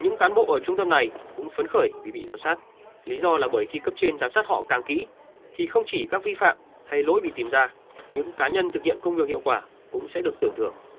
những cán bộ ở trung tâm này cũng phấn khởi vì bị giám sát lý do là bởi khi cấp trên giám sát họ càng kỹ thì không chỉ các vi phạm hay lỗi bị tìm ra những cá nhân thực hiện công việc hiệu quả cũng sẽ được tưởng thưởng